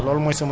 06